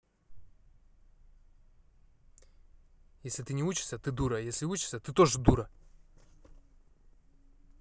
если ты не учишься ты дура если учишься ты тоже дура